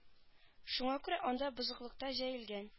Шуңа күрә анда бозыклыкта җәелгән